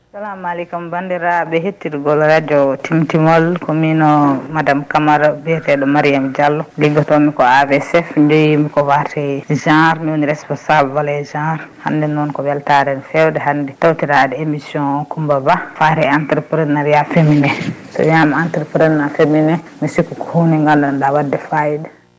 salamale kum bandiraɓe hettirgol radio Timtimol komino madame Camara biyeteɗo Mariame Diallo liggotomi ko AVSF nndenmi ko fate genre woni responsable les genres hande noon ko weltare fewde hande tawtirade émission o Coumba Ba fate entreprenariat féminin so wiyama entreprenariat féminin mi sikku ko hunde nde gandanɗa wande fayida